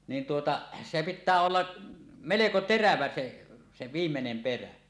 niin tuota se pitää olla melko terävä se se viimeinen perä